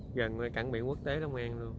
gần ơi chuẩn bị quốc tế long an